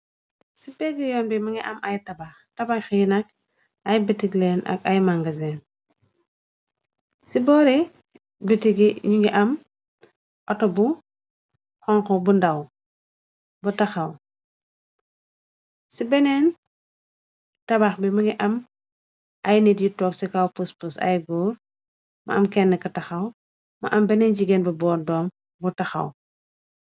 ci pégg yoon bi mi ngi am ay tabax tabax yi nak ay bitig leen ak ay mangasé ci boore biti gi ñu ngi am ato bu xonko bu ndaw bu taxaw ci beneen tabax bi mi ngi am ay nit yu toop ci cawpusps ay gór ma am kenn ka taxaw ma am beneen jigéen ba boor doom bu taxaw